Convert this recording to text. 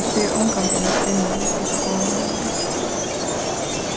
mann spyr ongantíð eina kvinnu hvussu gomul hon er